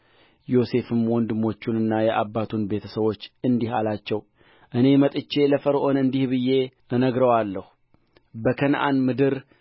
ሺሌም ላባ ለልጁ ለራሔል የሰጣት የባላ ልጆች እነዚህ ናቸው እነዚህንም ለያዕቆብ ወለደችለት ሁሉም ሰባት ነፍስ ናቸው